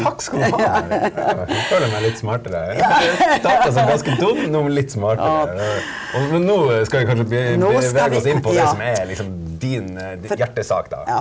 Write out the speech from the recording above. takk skal du ha føler jeg meg litt smartere starta som ganske dum no litt smartere, men nå skal vi kanskje inn på det som er liksom din ditt hjertesak da.